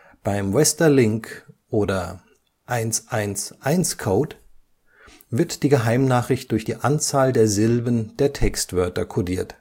Beim Westerlinck - oder „ eins, eins, eins “- Code wird die Geheimnachricht durch die Anzahl der Silben der Textwörter codiert